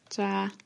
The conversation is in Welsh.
tara.